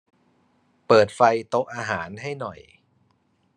เปิดไฟโต๊ะทานอาหารให้หน่อย